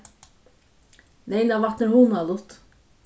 leynavatn er hugnaligt